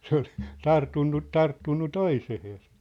se oli tarttunut tarttunut toiseen